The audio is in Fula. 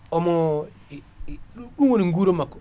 omo ii i ɗum woni gura makko